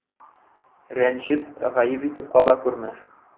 Рәнҗеп, гаеп итеп кала күрмә.